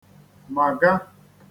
màga